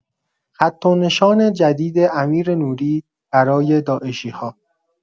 خط و نشان جدید امیر نوری برای داعشی ها